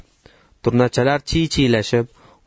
turnachalar chiychiylashib